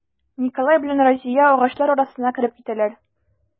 Николай белән Разия агачлар арасына кереп китәләр.